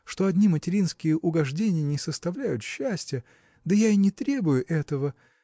что одни материнские угождения не составляют счастья да я и не требую этого.